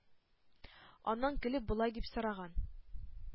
Аннан көлеп болай дип сораган: